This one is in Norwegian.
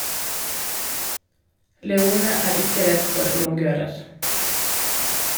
Leone er ikke redd for longører.